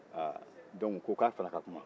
a u ko k'a fana ka kuma